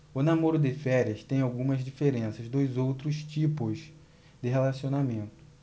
o namoro de férias tem algumas diferenças dos outros tipos de relacionamento